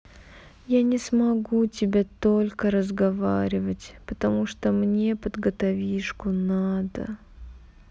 я не смогу тебя только разговаривать потому что мне подготовишку надо